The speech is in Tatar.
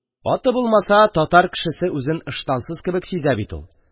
Аты булмаса, татар кешесе үзен ыштансыз кебек сизә бит ул.